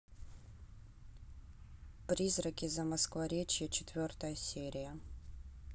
призраки замоскворечья четвертая серия